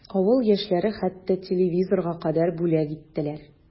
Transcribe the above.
Авыл яшьләре хәтта телевизорга кадәр бүләк иттеләр.